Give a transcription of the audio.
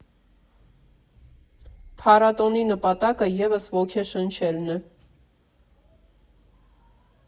Փառատոնի նպատակը ևս ոգեշնչելն է։